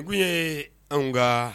Kun ye an ka